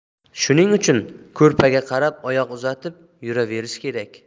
shuning uchun ko'rpaga qarab oyoq uzatib yuraverish kerak